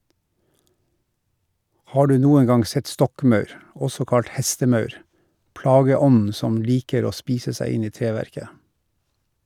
Har du noen gang sett stokkmaur , også kalt hestemaur, plageånden som liker å spise seg inn i treverket?